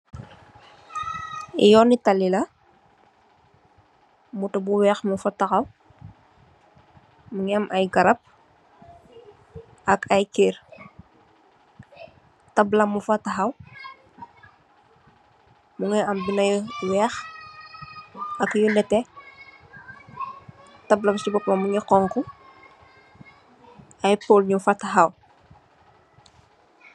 Yoni talila, motor bu weex mun fa tahaw, mungi am ai garap, ak ai kerr, tableau munfa tahaw, mungi am binda yu weex ak yu nete, tableau bi ci bopam mungi khonhu, ai pol nyunfa tahaw.